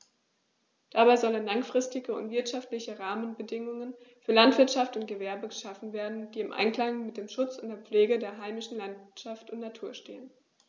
Dabei sollen langfristige und wirtschaftliche Rahmenbedingungen für Landwirtschaft und Gewerbe geschaffen werden, die im Einklang mit dem Schutz und der Pflege der heimischen Landschaft und Natur stehen.